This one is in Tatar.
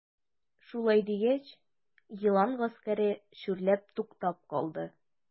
Шулай дигәч, елан гаскәре шүрләп туктап калды.